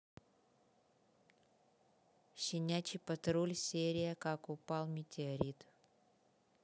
щенячий патруль серия как упал метеорит